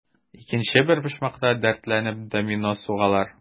Икенче бер почмакта, дәртләнеп, домино сугалар.